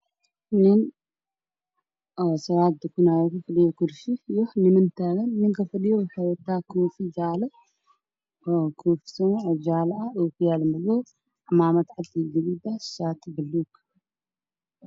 Waa nin salaad tukanaayo oo kufadhiyo kursi iyo niman taagan, ninka fadhiyo waxuu wataa koofi jaale ah iyo ookiyaalo madow ah, cimaamad cad iyo gaduud ah, shaati buluug ah.